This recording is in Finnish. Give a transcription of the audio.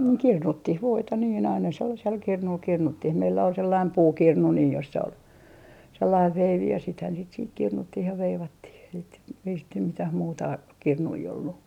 no kirnuttiin voita niin aina sellaisella kirnulla kirnuttiin meillä oli sellainen puukirnu niin jossa oli sellainen veivi ja sitähän sitten siihen kirnuttiin ja veivattiin sitten mitään muuta kirnuja ollut